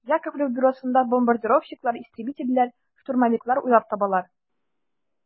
Яковлев бюросында бомбардировщиклар, истребительләр, штурмовиклар уйлап табалар.